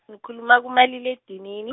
ngikhuluma kumalile edinini.